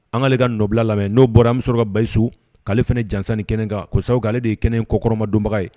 An k'ale ka nɔbila lamɛn n'o bɔra anmuso sɔrɔ ka basiyisu k'ale fana jansanni kɛnɛ kan ko sa' aleale de ye kɛnɛ kɔkɔrɔma donbagawbaga ye